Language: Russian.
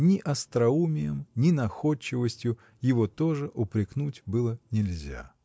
ни остроумием, ни находчивостью его тоже упрекнуть было нельзя.